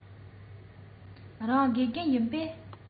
རང དགེ རྒན ཡིན པས